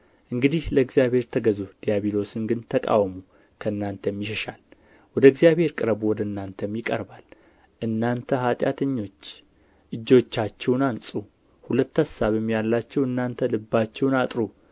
እንግዲህ ለእግዚአብሔር ተገዙ ዲያብሎስን ግን ተቃወሙ ከእናንተም ይሸሻል ወደ እግዚአብሔር ቅረቡ ወደ እናንተም ይቀርባል እናንተ ኃጢአተኞች እጆቻችሁን አንጹ ሁለት አሳብም ያላችሁ እናንተ ልባችሁን አጥሩ